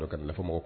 O kamɔgɔw